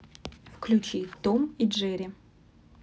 включи том и джерри